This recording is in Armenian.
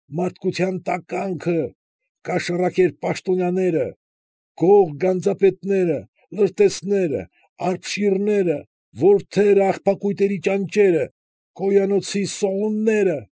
Մարդկության տականքը՝ կաշառակեր պաշտոնյաները, գող գանձապետները, լրտեսները, արբշիռները, որդերը, աղբակույտի ճանճերը, կոյանոցի սողունները։